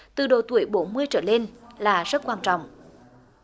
từ độ tuổi bốn mươi trở lên là rất quan trọng